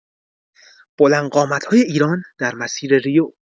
بلند قامت‌های ایران در مسیر ریو